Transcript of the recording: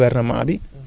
am na phosphate